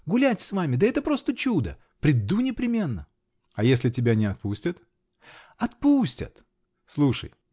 Гулять с вами -- да это просто чудо! Приду непременно! -- А если тебя не отпустят? -- Отпустят! -- Слушай.